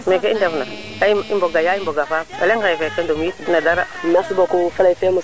aca merci beaucoup yeey Gnilane Ndour in way ngind manga a paax no tontax mosu ne ando naye tontu wano in tewo paax sim na xong